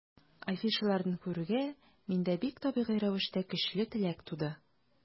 Афишаларын күрүгә, миндә бик табигый рәвештә көчле теләк туды.